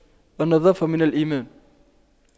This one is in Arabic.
النظافة من الإيمان